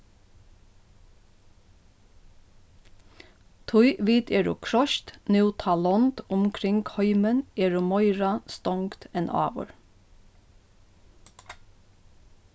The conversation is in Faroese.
tí vit eru kroyst nú tá lond umkring heimin eru meira stongd enn áður